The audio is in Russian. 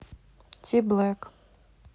ти блэк